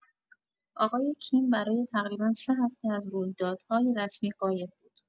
آقای کیم برای تقریبا سه هفته از رویدادهای رسمی غایب بود